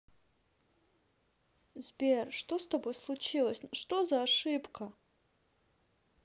сбер что с тобой случилось что за ошибка